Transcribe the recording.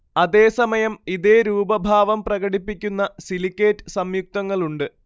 അതേ സമയം ഇതേ രൂപഭാവം പ്രകടിപ്പിക്കുന്ന സിലിക്കേറ്റ് സംയുക്തങ്ങളുണ്ട്